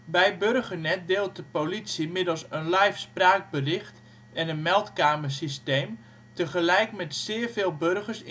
Bij Burgernet deelt de politie middels een life spraakbericht en een meldkamersysteem tegelijk met zeer veel burgers